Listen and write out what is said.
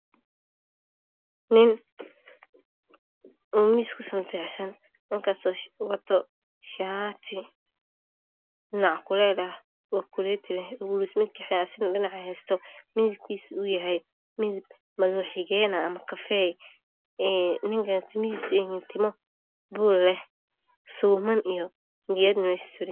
Nin oo miis ku sanjeecsan waxuu wataa shaati nacnackuleel ah oo kuleeti leh oo guluusta dhinac heysto shaatiga midabkiisu waa kafay. Ninka timihiisa waa timo tuur leh meesha waxaa suran suun.